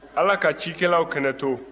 ala ka cikɛlaw kɛnɛ to